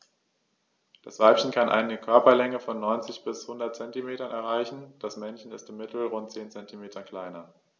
Das Weibchen kann eine Körperlänge von 90-100 cm erreichen; das Männchen ist im Mittel rund 10 cm kleiner.